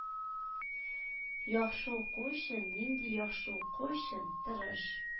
Яхшы уку өчен, нинди Яхшы уку өчен, тырыш,